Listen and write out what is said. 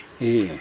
ii